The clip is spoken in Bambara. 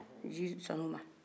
jisanuma